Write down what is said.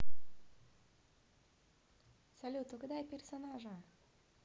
салют угадай персонажа